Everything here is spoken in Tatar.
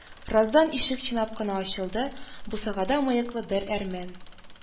Раздан ишек чинап кына ачылды, бусагада мыеклы бер әрмән